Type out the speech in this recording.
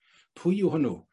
Pwy yw hwnnw?